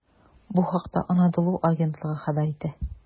Бу хакта "Анадолу" агентлыгы хәбәр итә.